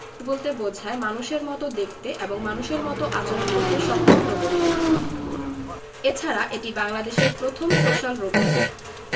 বলতে বোঝায় মানুষের মতো দেখতে এবং মানুষের মতো আচরণ করতে সক্ষম রোবটকে এছাড়া এটি বাংলাদেশের প্রথম সোশ্যাল রোবটও